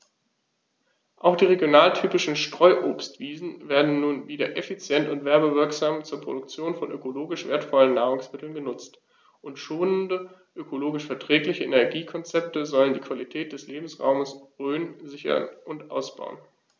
Auch die regionaltypischen Streuobstwiesen werden nun wieder effizient und werbewirksam zur Produktion von ökologisch wertvollen Nahrungsmitteln genutzt, und schonende, ökologisch verträgliche Energiekonzepte sollen die Qualität des Lebensraumes Rhön sichern und ausbauen.